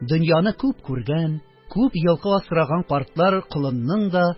Дөньяны күп күргән, күп елкы асраган картлар колынның да,